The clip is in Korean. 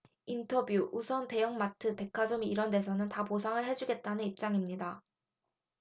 인터뷰 우선 대형마트나 백화점 이런 데서는 다 보상을 해 주겠다는 입장입니다